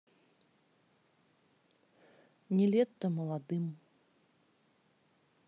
нилетто молодым